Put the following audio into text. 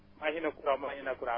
Mayina Koura Mayina Koura